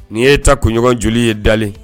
Nin ye ta kunɲɔgɔn joli ye dalen